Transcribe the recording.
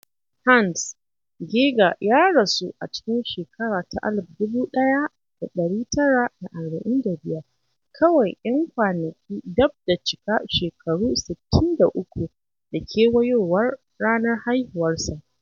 "Hans" Geiger ya rasu a cikin shekara ta 1945, kawai ‘yan kwanaki dab da cika shekaru 63 da kewayowar ranar haihuwarsa.